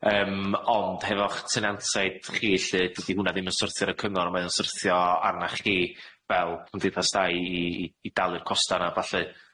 yym ond hefo'ch tenantiaid chi lly, dydi hwnna ddim yn syrthio ar y cyngor, mae o'n syrthio arna chi fel cymdeithas dai i i i i dalu'r costa' 'na a ballu.